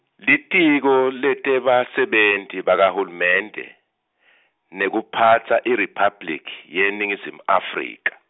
Litiko leTebasebenti baHulumende, neKuphatsa IRiphabliki yeNingizimu Afrika.